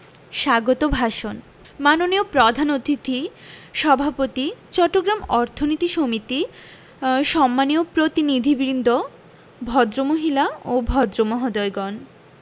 স্বাগত ভাষণ মাননীয় প্রধান অথিথি সভাপতি চট্টগ্রাম অর্থনীতি সমিতি সম্মানীয় প্রতিনিধিবৃন্দ ভদ্রমহিলা ও ভদ্রমহোদয়গণ